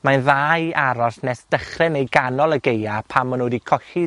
mae e'n dda i aros nes dechre neu ganol y Gaea pan mal nw wedi colli